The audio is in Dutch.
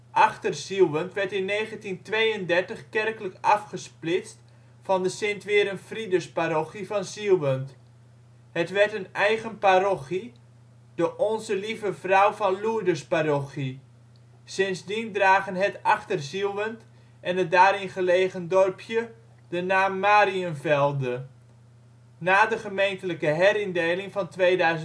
Achter-Zieuwent werd in 1932 kerkelijk afgesplitst van de Sint-Werenfridusparochie van Zieuwent. Het werd een eigen parochie, de Onze Lieve Vrouw van Lourdesparochie. Sindsdien dragen Het Achter-Zieuwent en het daarin gelegen dorpje de naam Mariënvelde. Na de gemeentelijke herindeling van 2005